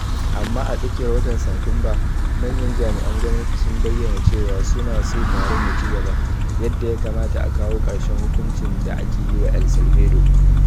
Amma a tsakiyar watan Satumba, manyan jami'an gwamnati sun bayyana cewa su na so taron ya ci gaba, yadda ya kamata a kawo karshen hukuncin da ake yi wa El Salvador.